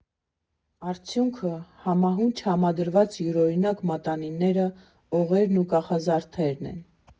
Արդյունքը՝ համահունչ համադրված յուրօրինակ մատանիները, օղերն ու կախազարդերն են։